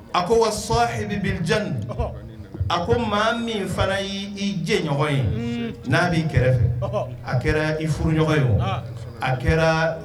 A ko wa sɔ a ko maa min fana i jɛɲɔgɔn ye n'a b'i kɛrɛfɛ a kɛra i furuɲɔgɔn ye a kɛra